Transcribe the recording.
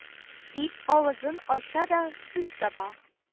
Дип авызын ача да, сүз таба